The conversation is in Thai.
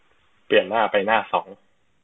เปลี่ยนหน้าไปหน้าสอง